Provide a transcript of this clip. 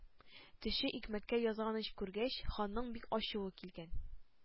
Төче икмәккә язганын күргәч, ханның бик ачуы килгән: